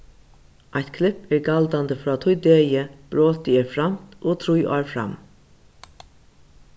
eitt klipp er galdandi frá tí degi brotið er framt og trý ár fram